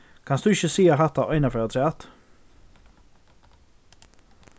kanst tú ikki siga hatta einaferð afturat